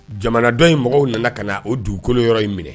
Jamanadɔ in mɔgɔw nana ka na o dugukolo yɔrɔ in minɛ